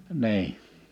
niin